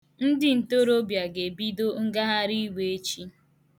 Ndị ntorobịa ga-ebido ngagharịiwe echi.